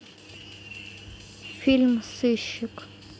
фильм сыщик